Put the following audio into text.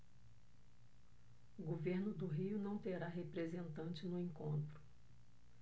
o governo do rio não terá representante no encontro